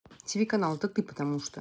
тв канал это ты потому что